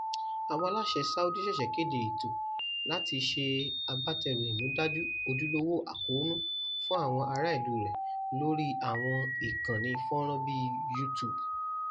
Àwọn aláṣẹ Saudi ṣẹ̀ṣẹ̀ kéde ètò láti ṣe agbátẹrù ìmúdájú "ojúlówó àkóónú" fún àwọn aráàlú rẹ̀ lórí àwọn ìkànnì fọ́nràn bíi YouTube.